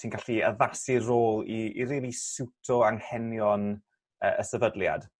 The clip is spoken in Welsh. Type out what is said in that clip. ti'n gallu addasu rôl i i rili siwto anghenion yy y sefydliad